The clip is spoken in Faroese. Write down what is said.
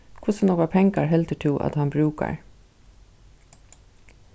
hvussu nógvar pengar heldur tú at hann brúkar